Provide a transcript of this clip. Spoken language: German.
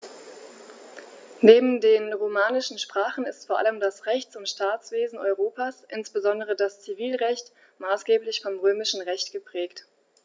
Neben den romanischen Sprachen ist vor allem das Rechts- und Staatswesen Europas, insbesondere das Zivilrecht, maßgeblich vom Römischen Recht geprägt.